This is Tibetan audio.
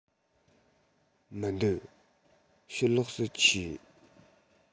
མི འདུག ཕྱི ལོགས སུ མཆིས